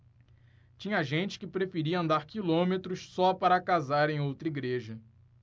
tinha gente que preferia andar quilômetros só para casar em outra igreja